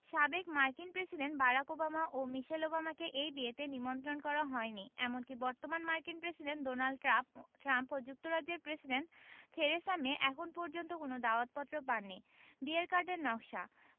সাবেক মার্কিন president Barack Obama ও মিশেল ওবামাকে এই বিয়েতে নিমন্ত্রণ করা হয়নি এমনকি বর্তমান মার্কিন প্রেসিডেন্ট ডোনাল্ড ট্রাম্প ট্রাম্পও যুক্তরাজ্যের প্রেসিডেন্ট থেরেসা মে এখন পর্যন্ত কোনো দাওয়াতপত্র পাননি বিয়ের কার্ডের নকশা